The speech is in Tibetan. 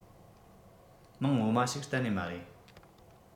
མིང ངོ མ ཞིག གཏན ནས མ རེད